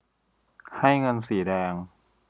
ให้เงินสีแดง